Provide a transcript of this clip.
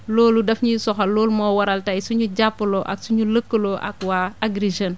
loolu daf ñuy soxla loolu moo waral tey suñu jàppaloo ak suñu lëkkaloo ak waa Agri Jeunes